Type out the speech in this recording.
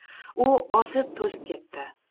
u ozib to'zib ketdi